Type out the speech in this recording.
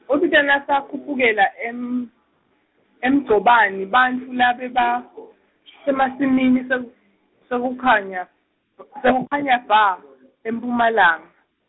utsite nasakhuphukela em- emgcobani bantfu labebasemasimini seku- sekukhanya b- sekukhanya bha, emphumalanga.